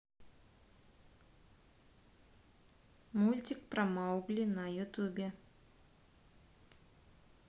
мультик про маугли на ютубе